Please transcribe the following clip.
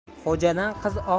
xo'jadan qiz ohsh